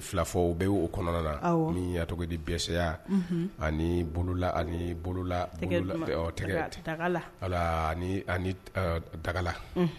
Filafɔ bɛ o kɔnɔna na ni yatdi dɛsɛya ani bolola ani bolola tɛgɛla dagala